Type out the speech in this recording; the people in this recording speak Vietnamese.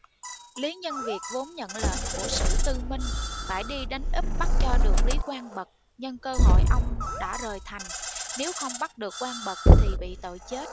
lý nhân việt vốn nhận lệnh của sử tư minh phải đi đánh úp bắt cho được lý quang bật nhân cơ hội ông đã rời thành nếu không bắt được quang bật thì bị tội chết